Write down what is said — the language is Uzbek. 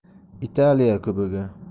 italiya kubogi